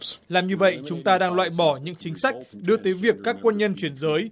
làm như vậy chúng ta đang loại bỏ những chính sách đưa tới việc các quân nhân chuyển giới